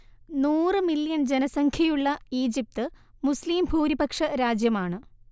നൂറ് മില്യൺ ജനസംഖ്യയുള്ള Egypt Muslim ഭൂരിപക്ഷ രാജ്യമാണ്